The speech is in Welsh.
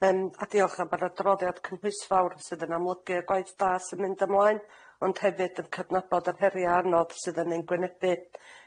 Yym a diolch am y droddiad cynhwysfawr sydd yn amlygu y gwaith da sy'n mynd ymlaen ond hefyd yn cydnabod y heria' anodd sydd yn ein gwynebu.